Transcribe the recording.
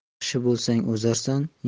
yaxshi bo'lsang o'zarsan